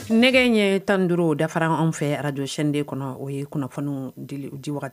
Nɛgɛ in ye tan duuru dafara anw fɛ arajocyɛnden kɔnɔ o ye kunnafoni di